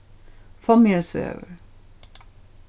fámjinsvegur